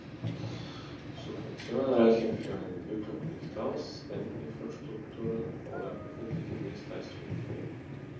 Subventionen reichen für eine Entwicklung nicht aus, wenn Infrastrukturen oder öffentliche Dienstleistungen fehlen.